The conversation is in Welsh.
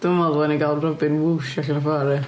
Dwi'n meddwl dyla ni gael Robin Whoosh allan o ffordd ia.